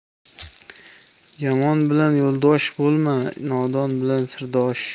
yomon bilan yo'ldosh bo'lma nodon bilan sirdosh